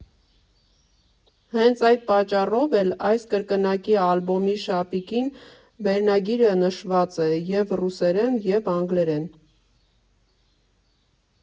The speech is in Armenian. Հենց այդ պատճառով էլ այս կրկնակի ալբոմի շապիկին վերնագիրը նշված է և՛ ռուսերեն, և՛ անգլերեն։